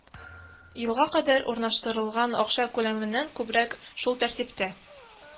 Елга кадәр урнаштырылган акча күләменнән күбрәк: шул тәртиптә